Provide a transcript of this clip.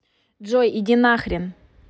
джой иди нахрен